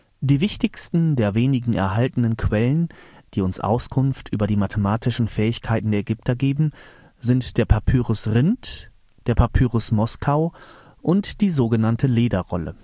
Die wichtigsten der wenigen erhaltenen Quellen, die uns Auskunft über die mathematischen Fähigkeiten der Ägypter geben, sind der Papyrus Rhind, der Papyrus Moskau und die so genannte Lederrolle